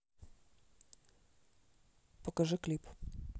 покажи клип